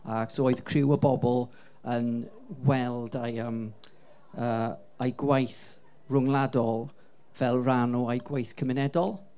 a so, oedd criw o bobl yn gweld eu yym yy eu gwaith ryngwladol fel ran o'u gwaith cymunedol,